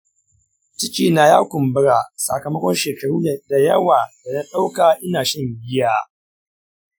cikina ya kumbura sakamakon shekaru da yawa da na ɗauka ina shan giya.